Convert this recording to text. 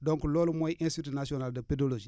donc loolu mooy institut national de pédologie